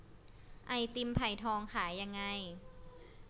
ไอติมไผ่ทองขายยังไง